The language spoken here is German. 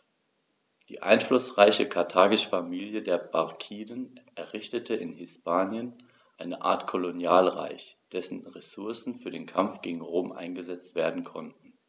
Die einflussreiche karthagische Familie der Barkiden errichtete in Hispanien eine Art Kolonialreich, dessen Ressourcen für den Kampf gegen Rom eingesetzt werden konnten.